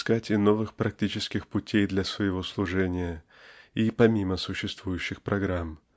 искать и новых практических путей для своего служения и помимо существующих программ